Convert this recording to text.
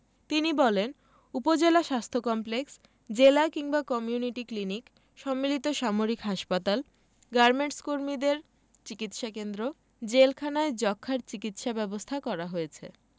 তিনি বলেন উপজেলা স্বাস্থ্য কমপ্লেক্স জেলা কিংবা কমিউনিটি ক্লিনিক সম্মিলিত সামরিক হাসপাতাল গার্মেন্টসকর্মীদের চিকিৎসাকেন্দ্র জেলখানায় যক্ষ্মার চিকিৎসা ব্যবস্থা করা হয়েছে